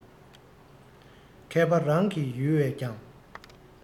མཁས པ རང གི ཡུལ བས ཀྱང